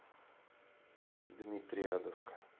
дмитриадовка